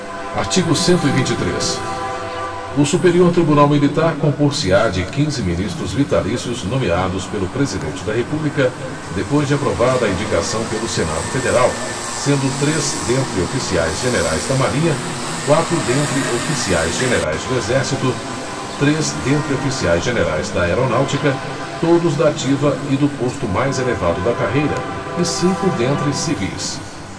artigo cento e vinte e três o superior tribunal militar compor se á de quinze ministros vitalícios nomeados pelo presidente da república depois de aprovada a indicação pelo senado federal sendo três dentre oficiais generais da marinha quatro dentre oficiais generais do exército três dentre oficiais generais da aeronáutica todos da ativa e do posto mais elevado da carreira e cinco dentre civis